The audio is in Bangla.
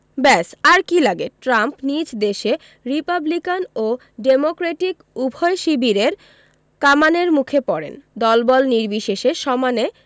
ব্যস আর কী লাগে ট্রাম্প নিজ দেশে রিপাবলিকান ও ডেমোক্রেটিক উভয় শিবিরের কামানের মুখে পড়েন দলবল নির্বিশেষে সমানে